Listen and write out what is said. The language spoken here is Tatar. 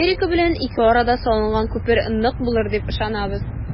Америка белән ике арада салынган күпер нык булыр дип ышанабыз.